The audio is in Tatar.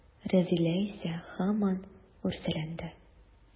Рәзилә исә һаман үрсәләнде.